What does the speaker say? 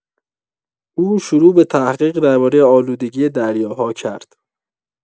او شروع به تحقیق درباره آلودگی دریاها کرد.